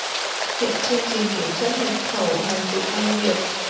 hiện chương trình kiểm soát nhập khẩu hàng dệt may việt